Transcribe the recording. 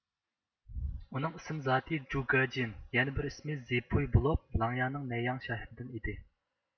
ئۇنىڭ ئىسىم زاتى جۇگېجىن يەنە بىر ئىسمى زىپۇي بولۇپ لاڭيانىڭ نەنياڭ شەھىرىدىن ئىدى